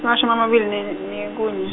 amashumi amabili ne- nekunye-.